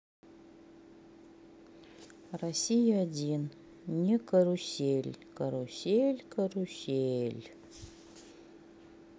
россия один не карусель карусель карусель